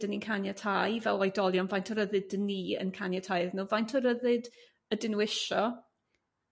dyn ni'n caniatáu fel oedolion faint o ryddid dyn ni yn caniatáu iddyn nhw faint o ryddid ydyn nhw isio?